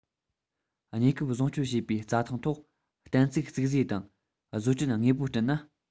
གནས སྐབས བཟུང སྤྱོད བྱས པའི རྩྭ ཐང ཐོག གཏན ཚུགས རྩིག བཟོས དང བཟོ སྐྲུན དངོས པོ བསྐྲུན ན